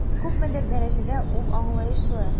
Күпмедер дәрәҗәдә ул аңлаешлы.